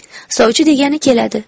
sovchi degani keladi